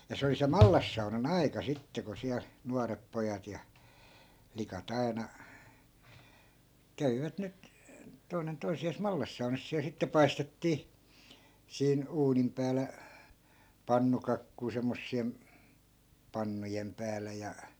ja se oli se mallassaunan aika sitten kun siellä nuoret pojat ja flikat aina kävivät nyt toinen toisiaan mallassaunassa siellä sitten paistettiin siinä uunin päällä pannukakkuja semmoisien pannujen päällä ja